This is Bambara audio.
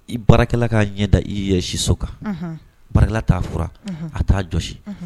I baarakɛla ka'a ɲɛ da i ye siso kan barakɛla t'a fura a t'a josi